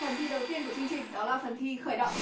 phần thi đầu tiên của chương trình đó là phần thi khởi động